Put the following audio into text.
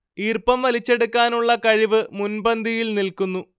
ഈർപ്പം വലിച്ചെടുക്കാനുളള കഴിവ് മുൻപന്തിയിൽ നിൽക്കുന്നു